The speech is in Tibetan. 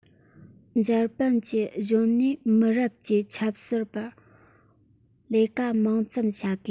ལྗར པན གྱི གཞོན ནུའི མི རབས ཀྱི ཆབ སྲིད པར ལས ཀ མང ཙམ བྱ དགོས